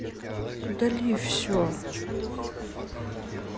удали все